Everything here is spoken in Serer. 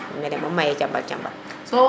mene moom maye cambar cambar